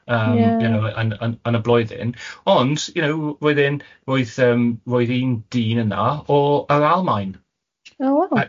...you know yn yn yn y blwyddyn, ond you know roedd e'n roedd yym roedd un dyn yna o yr Almaen... O waw.